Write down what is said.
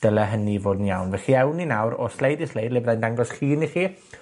dyle hynny fod yn iawn. Felly, awn ni nawr o sleid i sleid le byddai'n dangos llun i chi,